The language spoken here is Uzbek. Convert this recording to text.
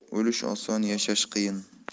o'lish oson yashash qiyin